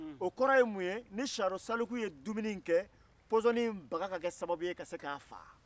a kun ye ni siyanro salimu ye dumuni in ke pɔsɔnin baga ka se k'a faga